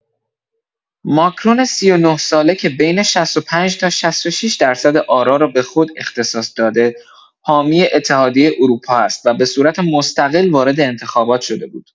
ماکرون ۳۹ ساله که بین ۶۵ تا ۶۶ درصد آرا را به خود اختصاص داده، حامی اتحادیه اروپا است و به صورت مستقل وارد انتخابات شده بود.